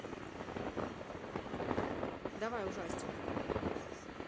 давай ужастик